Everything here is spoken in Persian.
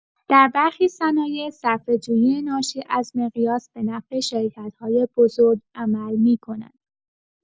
در برخی صنایع، صرفه‌جویی ناشی از مقیاس به نفع شرکت‌های بزرگ عمل می‌کند؛